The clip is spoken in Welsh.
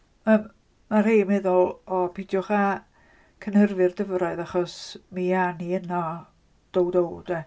Yym mae rhai yn meddwl "o peidiwch â cynhyrfu'r dyfroedd achos mi awn ni yno dow dow de".